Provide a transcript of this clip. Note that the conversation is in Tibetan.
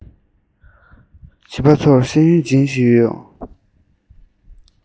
བྱིས པ ཚོར ཤེས ཡོན སྦྱིན བཞིན ཡོད